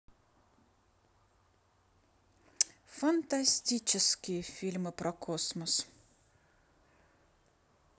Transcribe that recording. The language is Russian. фантастические фильмы про космос